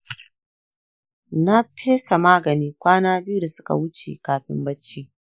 na pesa magani kwana biyu da suka wuce kafin bacci.